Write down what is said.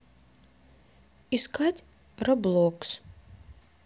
искать роблокс